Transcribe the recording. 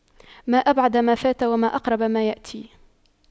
ما أبعد ما فات وما أقرب ما يأتي